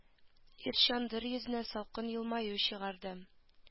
Ир чандыр йөзенә салкын елмаю чыгарды